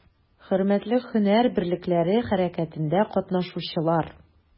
Хөрмәтле һөнәр берлекләре хәрәкәтендә катнашучылар!